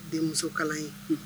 Den musokala ye